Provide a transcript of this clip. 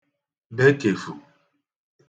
bekefù